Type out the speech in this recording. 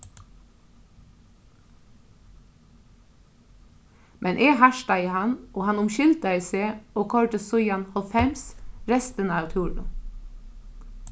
men eg hartaði hann og hann umskyldaði seg og koyrdi síðan hálvfems restina av túrinum